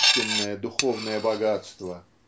истинное духовное богатство.